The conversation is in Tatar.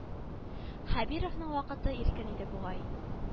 Хәбировның вакыты иркен иде бугай